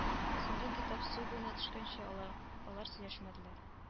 Соңгы китап су буена төшкәнче алар алар сөйләшмәделәр